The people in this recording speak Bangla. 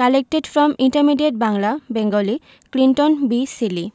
collected from intermediate Bangla Bengali Clinton B Seely